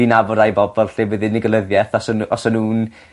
fi'n nabod rai bob- fel lle bydd unigolyddieth os o' n'w os o' nw'n